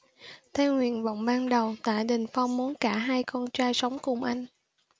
theo nguyện vọng ban đầu tạ đình phong muốn cả hai con trai sống cùng anh